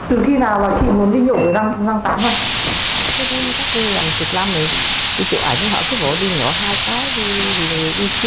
từ khi nào chị muốn đi nhổ cái răng này cách đây gần chục năm rồi đi chụp ảnh ảnh thì người ta cứ bảo đi nhổ cái